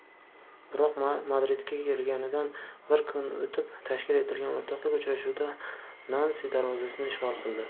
biroq madridga kelganidan bir kun o'tib tashkil etilgan o'rtoqlik uchrashuvida nansi darvozasini ishg'ol qildi